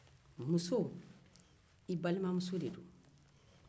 muso y'i balimamuso ye